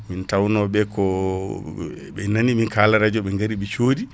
min tawnoɓe ko ɓe nani min kaala radio ɓe gaari ɓe coodi